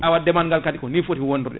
awa deemal ngal kadi ko ni foti wondude